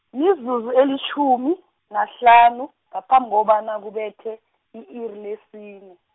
mizuzu elitjhumi, nahlanu, ngaphambi kobana kubethe, i-iri lesine.